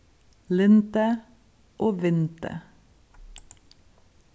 lyndi og vindi